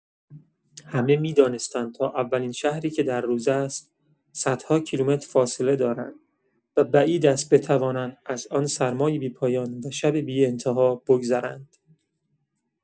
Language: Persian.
همه می‌دانستند تا اولین شهری که در روز است، صدها کیلومتر فاصله دارند و بعید است بتوانند از آن سرمای بی‌پایان و شب بی‌انتها بگذرند.